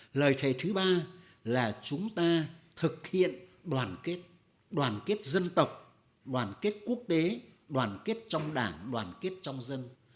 lời thề thứ ba là chúng ta thực hiện đoàn kết đoàn kết dân tộc đoàn kết quốc tế đoàn kết trong đảng đoàn kết trong dân